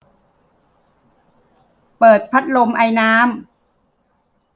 เปิดพัดลมไอน้ำ